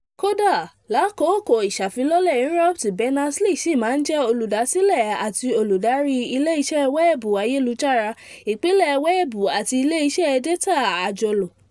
Kódà lákòókò ìṣàfilọ́lẹ̀ Inrupt, Berners-Lee sì máa jẹ́ Olùdásílẹ̀ àti Olùdarí ilé iṣẹ́ wẹ́ẹ̀bù ayélujára, ìpìlẹ̀ Wẹ́ẹ̀bù àti ilé iṣẹ́ Dátà Àjọlò.